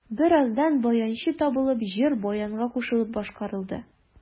Бераздан баянчы табылып, җыр баянга кушылып башкарылды.